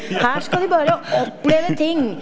her skal de bare oppleve ting.